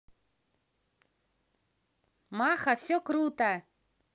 маха все круто